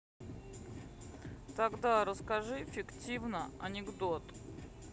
тогда расскажи фиктивно анекдот